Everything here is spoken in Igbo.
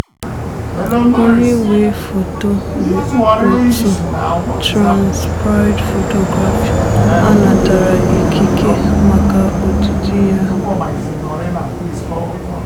Onye Nwe Foto bụ Òtù Trans Pride Photography, a natara ikike maka ojiji ya.